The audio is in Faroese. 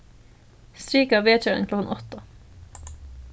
strika vekjaran klokkan átta